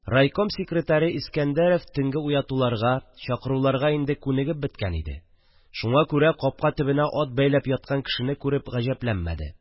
Райком секретаре Искәндәрев төнге уятуларга, чакыруларга инде күнегеп беткән иде, шуңа күрә капка төбенә ат бәйләп яткан кешене күреп гаҗәпләнмәде